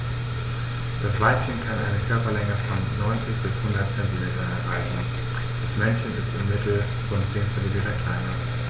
Das Weibchen kann eine Körperlänge von 90-100 cm erreichen; das Männchen ist im Mittel rund 10 cm kleiner.